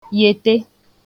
yète